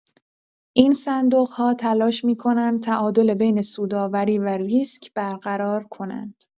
این صندوق‌ها تلاش می‌کنند تعادل بین سودآوری و ریسک برقرار کنند.